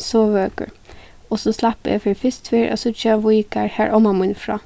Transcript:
so vøkur og so slapp eg fyri fyrstu ferð at síggja víkar har omma mín er frá